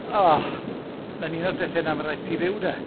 O. Mae'n un o'r pethe 'na mae'n raid i ti fyw 'da.